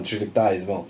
tri deg dau, dwi'n meddwl.